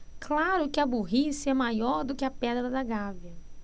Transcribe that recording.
claro que a burrice é maior do que a pedra da gávea